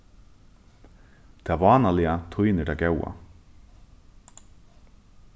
tað vánaliga týnir tað góða